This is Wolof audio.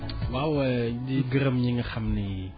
waaw di gërëm ñi nga xam ni